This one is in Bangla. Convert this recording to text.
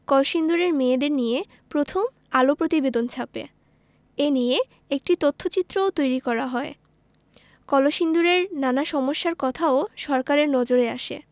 কলসিন্দুরের মেয়েদের নিয়ে প্রথম আলো প্রতিবেদন ছাপে এ নিয়ে একটি তথ্যচিত্রও তৈরি করা হয় কলসিন্দুরের নানা সমস্যার কথাও সরকারের নজরে আসে